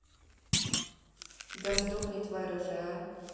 да сдохни тварь уже а